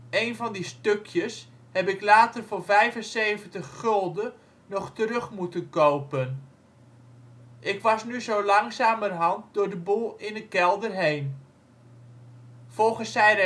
Een van die stukjes heb ik later voor vijfenzeventig gulden nog terug moeten kopen. Ik was nu zo langzamerhand door de boel in kelder heen. " Volgens zijn